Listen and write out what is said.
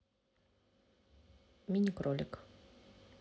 мини кролик